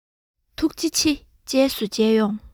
ཐུགས རྗེ ཆེ རྗེས སུ མཇལ ཡོང